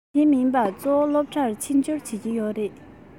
དེ མིན པ གཙོ བོ སློབ གྲྭར ཕྱི འབྱོར བྱེད ཀྱི ཡོད རེད